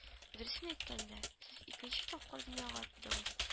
Дөресен әйткәндә, сез икенче тапкыр дөньяга тудыгыз